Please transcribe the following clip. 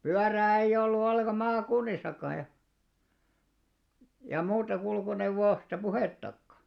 pyörää ei ollut ollenkaan maakunnissakaan ja ja muusta kulkuneuvosta puhettakaan